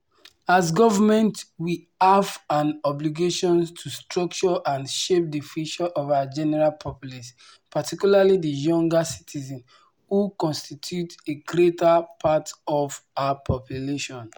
As Government we have an obligation to structure and shape the future of our general populace, particularly the younger citizens, who constitute a greater part of our population.